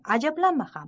ajablanma ham